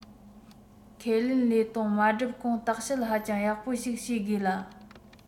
ཁས ལེན ལས དོན མ བསྒྲུབས གོང བརྟག དཔྱད ཧ ཅང ཡག པོ ཞིག བྱེད དགོས ལ